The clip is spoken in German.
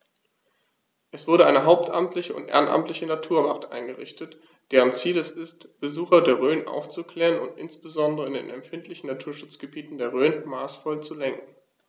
Es wurde eine hauptamtliche und ehrenamtliche Naturwacht eingerichtet, deren Ziel es ist, Besucher der Rhön aufzuklären und insbesondere in den empfindlichen Naturschutzgebieten der Rhön maßvoll zu lenken.